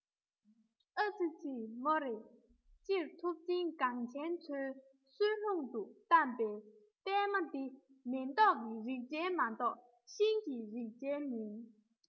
ཨ ཙི ཙི མོ རེ སྤྱིར ཐུབ ཆེན གངས ཅན མཚོའི གསོལ ལྷུང དུ བལྟམས པའི པད མ དེ མེ ཏོག གི རིགས ཅན མ གཏོགས ཤིང གི རིགས ཅན མིན